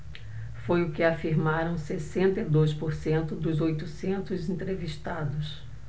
foi o que afirmaram sessenta e dois por cento dos oitocentos entrevistados